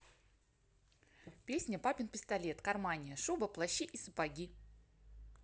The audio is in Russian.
песня папин пистолет car mania шуба плащи и сапоги